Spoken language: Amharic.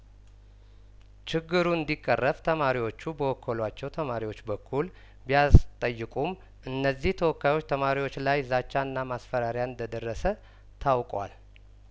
ችግሩ እንዲቀረፍ ተማሪዎቹ በወከሏቸው ተማሪዎች በኩል ቢያስጠይቁም እነዚህ ተወካይ ተማሪዎች ላይ ዛቻና ማስፈራሪያ እንደደረሰ ታውቋል